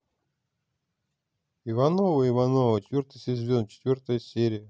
ивановы ивановы четвертый сезон четвертая серия